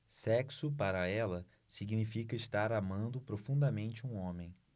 sexo para ela significa estar amando profundamente um homem